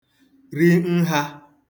ri nhā